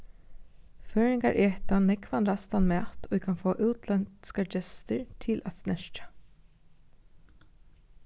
føroyingar eta nógvan ræstan mat ið kann fáa útlendskar gestir til at snerkja